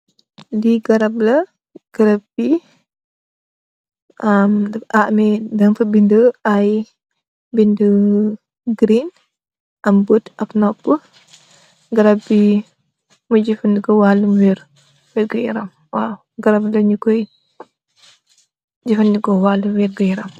Li garab la garab bi am ameh den fa benda benda ai benda yu green am boot ak noopa garab bi yun koi jefendeko pul walum werr wergu yaram garab bi nyun koi jefendeko pul walum werr gu yaram.